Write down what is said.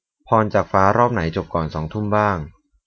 พรจากฟ้ารอบไหนจบก่อนสองทุ่มบ้าง